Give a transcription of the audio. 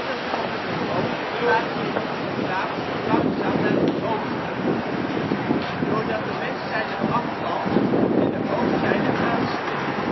als Rottumeroog verplaatst Rottumerplaat zich langzaam naar het oosten, doordat de westzijde afkalft en de oostzijde aanslibt